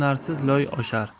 hunarsiz loy oshar